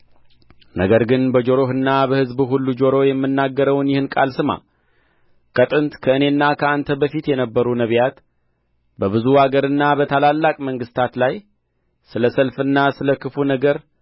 ነገር ግን በጆሮህና በሕዝብ ሁሉ ጆሮ የምናገረውን ይህን ቃል ስማ ከጥንት ከእኔና ከአንተ በፊት የነበሩ ነቢያት በብዙ አገርና በታላላቅ መንግሥታት ላይ ስለ ሰልፍና ስለ ክፉ ነገር